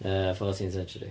Yy 14th century.